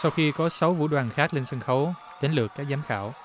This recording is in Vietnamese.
sau khi có sáu vũ đoàn khác lên sân khấu đến lượt các giám khảo